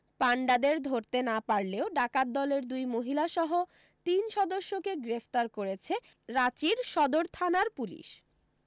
পাণ্ডাদের ধরতে না পারলেও ডাকাত দলের দুই মহিলা সহ তিন সদস্যকে গ্রেফতার করেছে রাঁচির সদর থানার পুলিশ